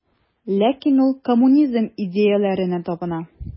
Ләкин ул коммунизм идеяләренә табына.